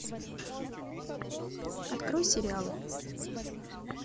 открой сериалы